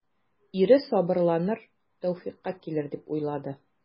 Ире сабырланыр, тәүфыйкка килер дип уйлады.